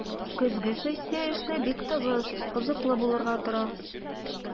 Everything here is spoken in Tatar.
Көзге сессия эше бик тыгыз, кызыклы булырга тора.